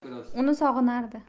uni sog'inardi